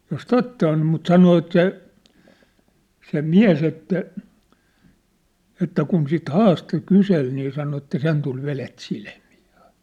jos totta on mutta sanoi että se se mies että että kun sitten haastoi kyseli niin sanoi että sen tuli vedet silmiin